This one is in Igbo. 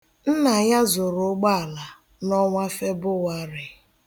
Nna ya zụrụ ụgbọala n'ọnwa Febụwarị.